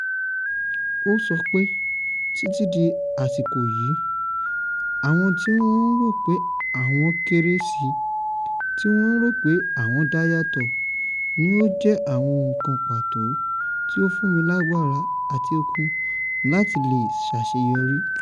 Ó sọ pé: "Títí di àsìkò yìí, àwọn tí wọ́n ń rò pé àwọn kéré sí, tí wọ̀n ń rò pé àwọn dáyàtọ̀, ní ó jẹ́ àwọn ohun kan pàtó tí ó fún mi ní agbára àti okun láti le ṣàṣeyọrí.”